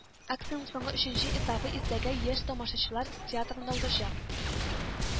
Акциянең соңгы өченче этабы иртәгә еш тамашачылар театрында узачак